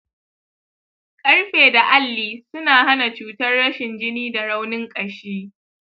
karfe da alli suna hana cutar rashin jini da raunin ƙashi.